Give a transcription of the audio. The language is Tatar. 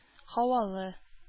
Һавалы